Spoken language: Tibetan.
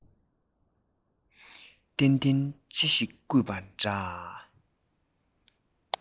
གཏན གཏན ཅི ཞིག བརྐུས པ འདྲ